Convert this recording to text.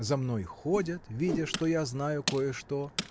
За мной ходят, видя, что я знаю кое-что.